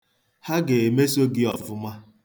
Ha ga-emesi gị ọfụma.